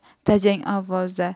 tajang ovozda